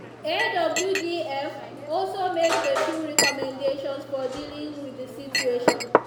AWDF also made a few recommendations for dealing with the situation.